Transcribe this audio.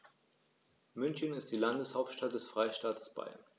München ist die Landeshauptstadt des Freistaates Bayern.